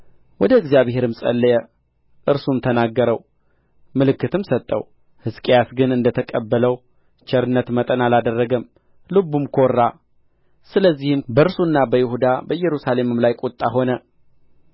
ወደ እግዚአብሔርም ጸለየ እርሱም ተናገረው ምልክትም ሰጠው ሕዝቅያስ ግን እንደ ተቀበለው ቸርነት መጠን አላደረገም ልቡም ኰራ ስለዚህም በእርሱና በይሁዳ በኢየሩሳሌምም ላይ ቍጣ ሆነ